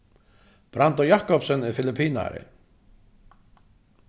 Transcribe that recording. brandur jakobsen er filipinari